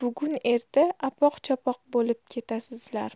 bugun erta apoq chapoq bo'lib ketasizlar